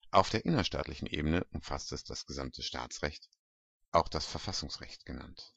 Auf der innerstaatlichen Ebene umfasst es das gesamte Staatsrecht, auch Verfassungsrecht genannt